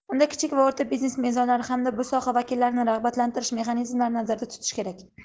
unda kichik va o'rta biznes mezonlari hamda bu soha vakillarini rag'batlantirish mexanizmlari nazarda tutilishi kerak